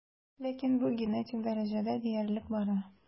Ләкин бу генетик дәрәҗәдә диярлек бара.